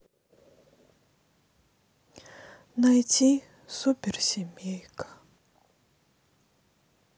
найти суперсемейка